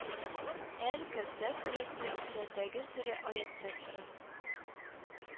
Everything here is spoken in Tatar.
Әл-Кәүсәр сүрәсе – Коръәндәге сүрә, аятьтән тора